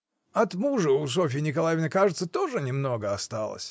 — От мужа у Софьи Николаевны, кажется, тоже немного осталось?